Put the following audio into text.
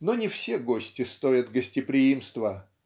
Но не все гости стоят гостеприимства.